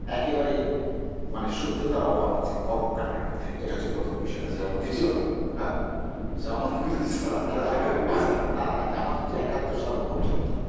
একেবারেই মানে শুধু তার অভাব আছে কর্মকাণ্ডের মধ্যে এটা হচ্ছে প্রথম বিষয় দ্বিতীয় বিষয় যেমন জামাত হ্যাঁ জামাত নানা জামাত আছে ৭১ সাল পর্যন্ত